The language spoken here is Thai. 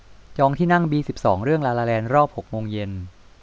จองที่นั่งบีสิบสองเรื่องลาลาแลนด์รอบหกโมงเย็น